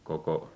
koko